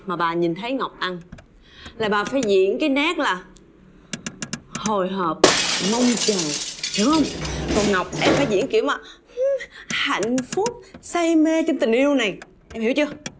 mà bà nhìn thấy ngọc anh là bà phải diễn cái nét là hồi hộp mong chờ hiểu hông còn ngọc em phải diễn kiểu hứm hạnh phúc say mê trong tình yêu này em hiểu chưa